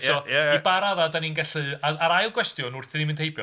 So, i ba raddau dan ni'n gallu?... A'r ail gwestiwn wrth i ni fynd heibio